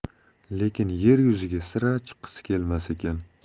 lekin yer yuziga sira chiqqisi kelmas ekan